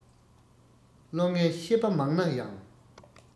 བློ ངན ཤེས པ མང ན ཡང